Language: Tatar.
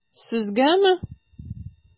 Сезгәме?